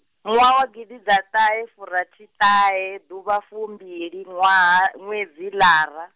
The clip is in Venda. ṅwaha wa gidiḓaṱahefurathiṱahe ḓuvha fumbili ṅwaha ṅwedzi lara.